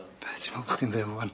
Be' ti'n me'wl bo' chdi'n ddeud rŵan?